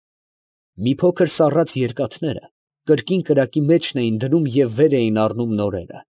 Մի փոքր սառած երկաթները կրկին կրակի մեջն էին դնում և վեր էին առնում նորերը։